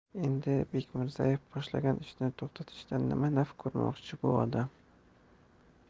endi bekmirzaev boshlagan ishni to'xtatishdan nima naf ko'rmoqchi bu odam